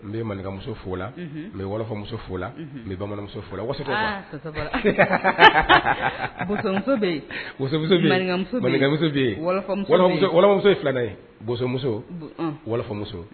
N bɛmuso fo lamuso fo la bɛ bamananmuso lamuso filamusomuso